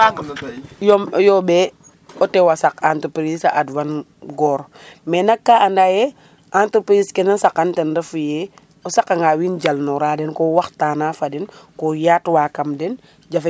yo yoɓe o tewa sak entreprise a ad wan goor mais nak ka anda ye entreprise kena saqan ten refu ye o saqq ŋa wiin jal nora den ko waxtana fa dem ko yaatu wa kam dem